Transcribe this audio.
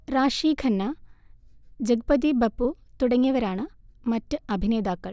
റാഷി ഖന്ന, ജഗ്പതി ബപ്പു തുടങ്ങിയവരാണ് മറ്റ് അഭിനേതാക്കൾ